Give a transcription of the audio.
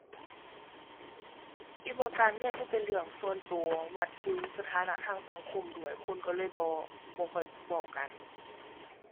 คิดว่าการเงินมันเป็นเรื่องส่วนตัว วัดถึงสถานะทางสังคมด้วย คนตัวเลยบ่ บ่ค่อยเว้ากัน